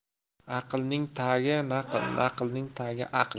aqlning tagi naql naqlning tagi aql